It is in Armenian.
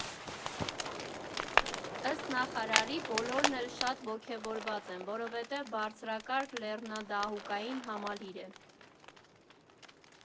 Ըստ նախարարի՝ բոլորն էլ շատ ոգևորված են, որովհետև բարձրակարգ լեռնադահուկային համալիր է.